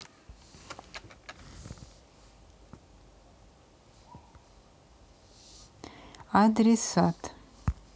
адресат